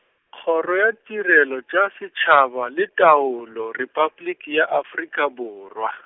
Kgoro ya Tirelo tša Setšhaba le Taolo Repabliki ya Afrika Borwa.